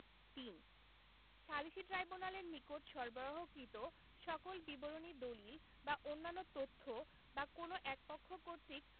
৩ সালিসী ট্রাইব্যুনালের নিকট সরবরাহকৃত সকল বিবরণী দলিল বা অন্যান্য তথ্য বা কোন একপক্ষ কর্তৃক